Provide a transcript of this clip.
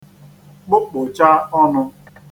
kpụkpụ̀cha ọnụ